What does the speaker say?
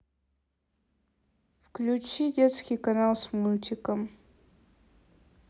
включи детский канал с мультиком